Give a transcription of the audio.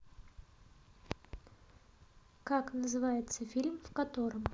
как называется фильм в котором